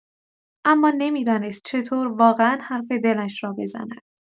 اما نمی‌دانست چطور واقعا حرف دلش را بزند.